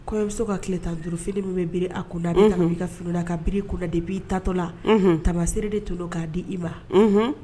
Kɔɲɔmuso ka tile tan jurufi min bɛ bi a kunda tada kun de b bi i tatɔ la tabasiriere de tun don k'a di i ma